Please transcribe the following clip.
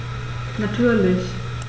Natürlich.